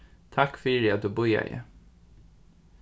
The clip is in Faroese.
takk fyri at tú bíðaði